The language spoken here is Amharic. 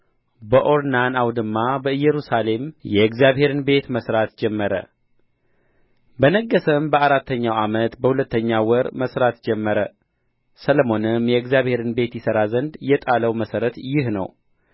በኦርና አውድማ በኢየሩሳሌም የእግዚአብሔርን ቤት መሥራት ጀመረ በነገሠም በአራተኛው ዓመት በሁለተኛው ወር መሥራት ጀመረ ሰሎሞንም የእግዚአብሔርን ቤት ይሠራ ዘንድ የጣለው መሠረት ይህ ነው